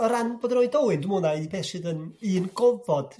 O ran fod yn oedolyn dwi mwyn'au beth sydd yn... Un gofod